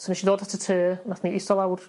So nesh i ddod at y tŷ nath ni ista lawr